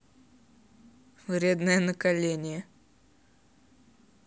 вредное наколение